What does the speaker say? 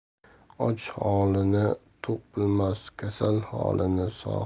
och holini to'q bilmas kasal holini sog'